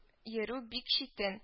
Йөрү бик читен